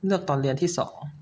เลือกตอนเรียนที่สอง